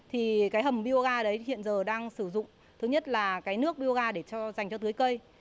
thì cái hầm bi ô ga đấy hiện giờ đang sử dụng thứ nhất là cái nước bi ô ga để cho dành cho tưới cây